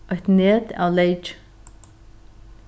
eitt net av leyki